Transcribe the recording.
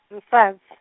musadz-.